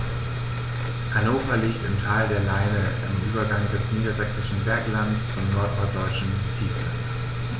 Hannover liegt im Tal der Leine am Übergang des Niedersächsischen Berglands zum Norddeutschen Tiefland.